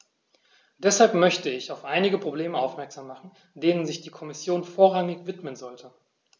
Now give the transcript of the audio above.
Deshalb möchte ich auf einige Probleme aufmerksam machen, denen sich die Kommission vorrangig widmen sollte.